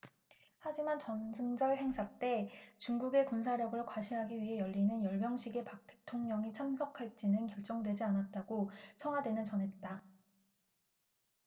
하지만 전승절 행사 때 중국의 군사력을 과시하기 위해 열리는 열병식에 박 대통령이 참석할지는 결정되지 않았다고 청와대는 전했다